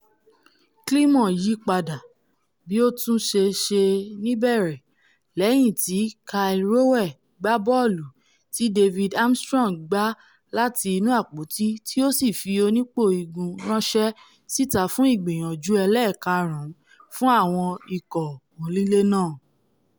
Climo yí padà, bí ó tunṣe ṣe n’ibẹ̀rẹ̀, lẹ́yìn tí Kyle Rowe gba bọ́ọ̀lù ti David Armstrong gbá lati inú apoti tí ó sì fi onípò-igun ránṣẹ́ síta fún ìgbìyànjú ẹlẹẹ̀kaàrún fun àwọn ikọ̀ onílé náà.